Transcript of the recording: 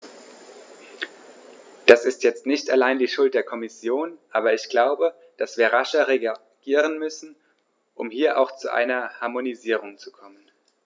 Das ist jetzt nicht allein die Schuld der Kommission, aber ich glaube, dass wir rascher reagieren müssen, um hier auch zu einer Harmonisierung zu kommen.